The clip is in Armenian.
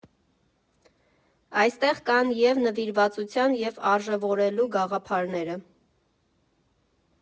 Այստեղ կան և նվիրվածության, և արժևորելու գաղափարները։